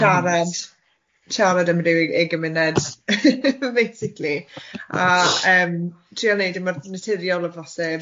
...siarad, siarad am ryw ug- ugain munud basically, a yym trial wneud e mor naturiol a bosib.